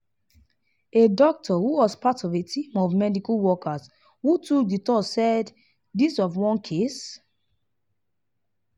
A doctor who was part of a team of medical workers who took the tour said this of one case: